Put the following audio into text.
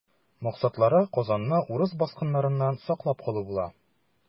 Максатлары Казанны урыс баскыннарыннан саклап калу була.